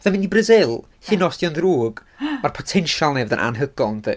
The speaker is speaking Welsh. Fatha mynd i Brasil, hyd yn oed os ydy o'n ddrwg ma'r potensial yna i fod yn anhygoel yndi.